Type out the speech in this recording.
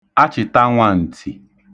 achịtanwāǹtì